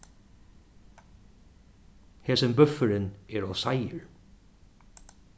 hesin búffurin er ov seigur